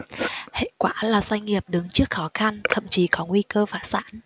hệ quả là doanh nghiệp đứng trước khó khăn thậm chí có nguy cơ phá sản